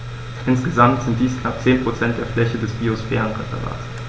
Insgesamt sind dies knapp 10 % der Fläche des Biosphärenreservates.